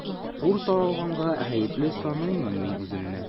Ул таралганга гаепле саныймын мин үземне.